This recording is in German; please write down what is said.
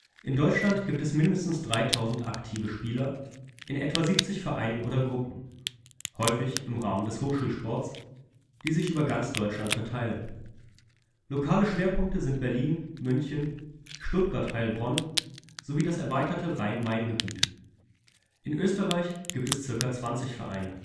In Deutschland gibt es mindestens 3.000 aktive Spieler in etwa 70 Vereinen oder Gruppen (häufig im Rahmen des Hochschulsports), die sich über ganz Deutschland verteilen. Lokale Schwerpunkte sind Berlin, München, Stuttgart/Heilbronn sowie das erweiterte Rhein-Main-Gebiet. In Österreich gibt es zirka 20 Vereine